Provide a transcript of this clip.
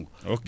ok